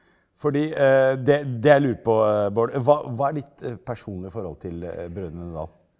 fordi det det jeg lurte på Bård hva hva er ditt personlige forhold til Brødrene Dal?